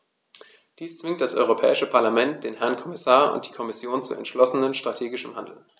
Dies zwingt das Europäische Parlament, den Herrn Kommissar und die Kommission zu entschlossenem strategischen Handeln.